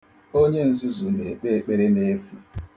Onye nzuzu na-ekpe ekpere n'efu.